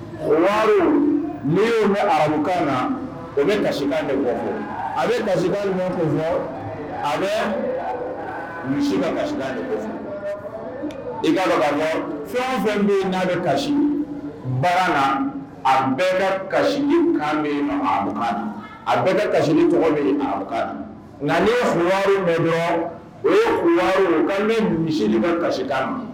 Owa min bɛ arabukan na o bɛ kasi de fɔ a bɛ kasi ma fɔ a bɛ misi kasi de fɔ irɔ fɛn fɛn min'a bɛ kasi baara na a bɛ kasi kan min a bɛɛ bɛ kasi min a kan nka n'i ye f mɛn o ye bɛ misi bɛ kasi kan ma